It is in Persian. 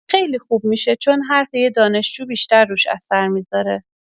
خیلی خوب می‌شه، چون حرف یه دانشجو بیشتر روش اثر می‌ذاره.